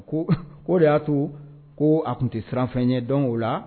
Ko o de y'a to ko a tun tɛ siran fɛn ɲɛ donc o la